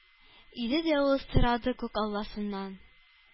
Иде дә ул сорады күк алласыннан: